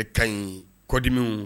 E ka ɲi kɔ dimi